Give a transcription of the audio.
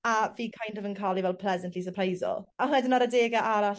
a fi kind of yn ca'l 'i fel plesantly sypreiso. A wedyn ar adege arall